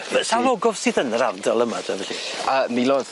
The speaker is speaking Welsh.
Sawl ogof sydd yn yr ardal yma te felly? Yy milodd.